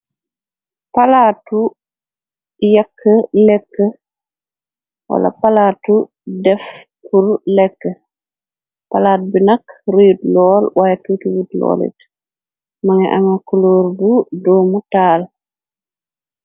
Palaatu yekk lekke wala palaatu def pur lekk palaat bi naq ruide lool waaye tit rode loolit manga anga kulóor bu doomu taal.